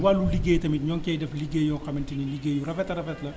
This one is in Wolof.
ci wàllu liggéey tamit ñoo ngi cay def liggéey yoo xamante ni liggéey yu rafet a rafet la